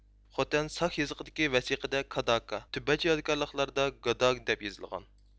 خوتەن ساك يېزىقىدىكى ۋەسىقىدە كاداكا تۈبۈتچە يادىكارلىقلاردا كاداگ دەپ يېزىلغان